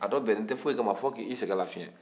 a labɛnen tɛ fɔyi kama fo k'i sɛgɛn lafiɲɛ